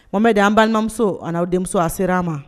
Mɔmɛ de an balimamuso ani'aw denmuso a sera ma